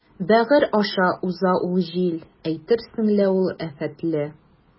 Бәгырь аша уза ул җил, әйтерсең лә ул афәтле.